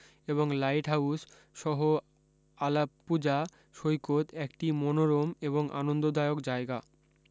এবং লাইটহাউস সহ আলাপ্পুজা সৈকত একটি মনোরম এবং আনন্দদায়ক জায়গা